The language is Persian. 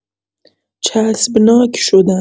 چسبناک شدن